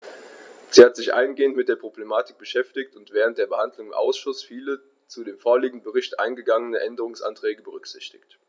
Sie hat sich eingehend mit der Problematik beschäftigt und während der Behandlung im Ausschuss viele zu dem vorliegenden Bericht eingegangene Änderungsanträge berücksichtigt.